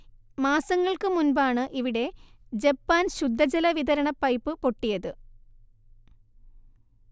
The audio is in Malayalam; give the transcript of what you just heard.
മാസങ്ങൾക്കു മുൻപാണ് ഇവിടെ ജപ്പാൻ ശുദ്ധജല വിതരണ പൈപ്പുപൊട്ടിയത്